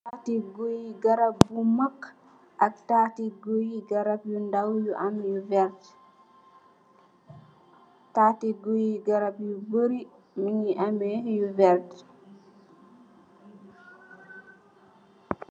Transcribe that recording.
Tati guy garap yu mak ak tati guy garap yu ndaw yu am lu werta .Tati guy garap yu barri ñu ngi ameh lu werta.